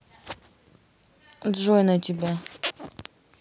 джой на тебя